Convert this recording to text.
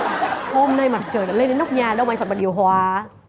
hôm nay mặt trời đã lên đến nóc nhà đâu mà anh phải bật điều hòa